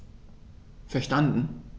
Verstanden.